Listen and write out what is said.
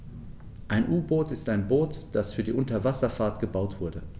Ein U-Boot ist ein Boot, das für die Unterwasserfahrt gebaut wurde.